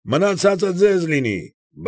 Մնացյալը ձեզ լինի։